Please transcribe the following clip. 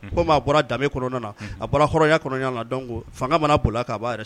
Komi a bɔra danbe kɔnɔna na a bɔra hɔrɔnya kɔnɔna na donc fanga mana bol'a kan a b'a yɛrɛ